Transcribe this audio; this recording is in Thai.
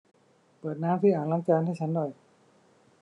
เปิดน้ำที่อ่างล้างจานให้ฉันหน่อย